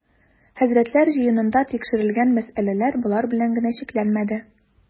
Хәзрәтләр җыенында тикшерел-гән мәсьәләләр болар белән генә чикләнмәде.